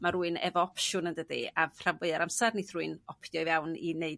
mae rwy'n efo opsiwn yn dydi? A rhan fwya'r amsar neith rwy'n opdio i fewn i 'neud